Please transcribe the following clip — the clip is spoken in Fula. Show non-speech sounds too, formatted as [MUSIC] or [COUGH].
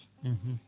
[HESITATION] [HESITATION]